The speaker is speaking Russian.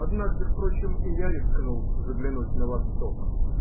Однажды, впрочем, и я рискнул заглянуть на Восток.